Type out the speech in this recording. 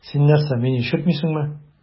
Син нәрсә, мине ишетмисеңме?